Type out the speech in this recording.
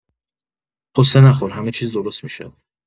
غصه نخور همه چیز درست می‌شه